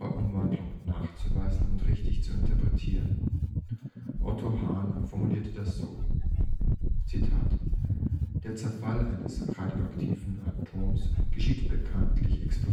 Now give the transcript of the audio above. Umwandlung nachzuweisen und richtig zu interpretieren. Otto Hahn formuliert das so: „ Der Zerfall eines radioaktiven Atoms geschieht bekanntlich explosionsartig